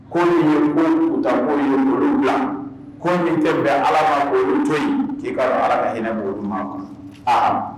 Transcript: Ko min ye ko Kuntako ye k'olu bila ko min tɛ bɛn Ala ma k'olu toyi k'i ka dɔn Ala ka hinɛ b'olu maa kɔnɔ, naamu.